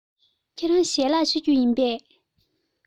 ཁྱེད རང ཞལ ལག མཆོད རྒྱུ བཟའ རྒྱུ ཡིན པས